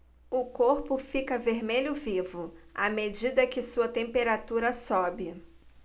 o corpo fica vermelho vivo à medida que sua temperatura sobe